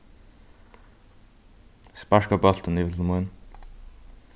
sparka bóltin yvir til mín